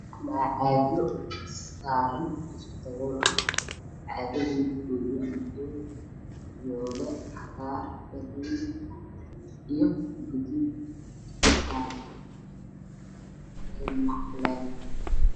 Waa caagag isdulsar saaran midabkoodii kala yahay caddays madow guduud qaxwi buluug